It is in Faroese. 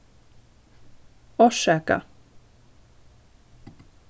orsaka